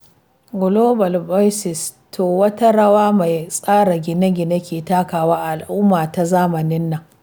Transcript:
Global Voices (GV): To, wata rawa mai tsara gine-gine ke takawa a al’umma ta zamanin nan?